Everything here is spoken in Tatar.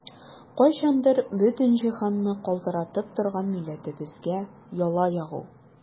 Кайчандыр бөтен җиһанны калтыратып торган милләтебезгә яла ягу!